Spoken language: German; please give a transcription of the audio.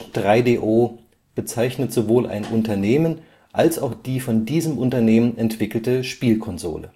3DO bezeichnet sowohl ein Unternehmen als auch die von diesem entwickelte Spielkonsole